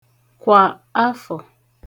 kwà afọ̀